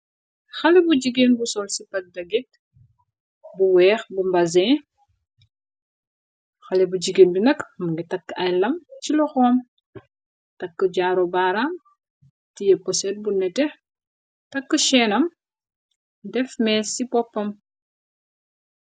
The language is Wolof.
Xale bu jigeen bu sol cipa dagit bu weex, bu mbazin. Xale bu jigéen bi nak mu ngi takka ay lam ci loxoom , takka jaaro baaraam ti yepposeet bu nete, takka sheenam def mees ci poppam.